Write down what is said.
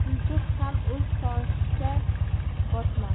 chumchuq ham o'z toshicha botmon